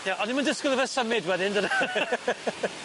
Ie o'n i'm yn disgwl i fe symud wedyn dyna...